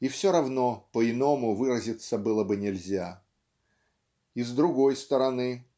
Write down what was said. и все равно по-иному выразиться было бы нельзя. И с другой стороны